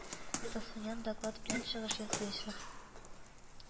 Тосунян доклад белән чыгыш ясаячак